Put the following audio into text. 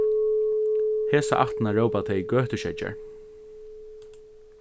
hesa ættina rópa tey gøtuskeggjar